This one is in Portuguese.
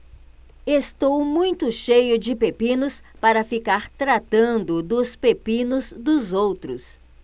estou muito cheio de pepinos para ficar tratando dos pepinos dos outros